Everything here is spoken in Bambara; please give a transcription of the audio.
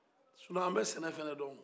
nɔ an bɛ sɛnɛ fana don